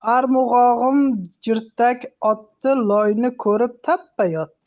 arg'umog'im jirtak otdi loyni ko'rib tappa yotdi